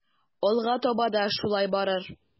Алга таба да шулай барыр.